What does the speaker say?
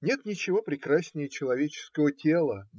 Нет ничего прекраснее человеческого тела,